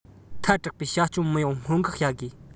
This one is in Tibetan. ཐལ དྲགས པའི བྱ སྤྱོད མི ཡོང སྔོན འགོག བྱ དགོས